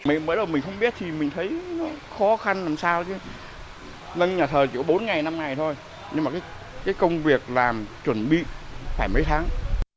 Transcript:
mình mới đầu mình không biết thì mình thấy nó khó khăn làm sao chứ nâng nhà thờ chỉ có bốn ngày năm ngày thôi nhưng mà cái công việc làm chuẩn bị khoảng mấy tháng